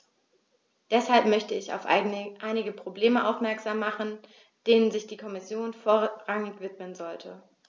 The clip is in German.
Deshalb möchte ich auf einige Probleme aufmerksam machen, denen sich die Kommission vorrangig widmen sollte.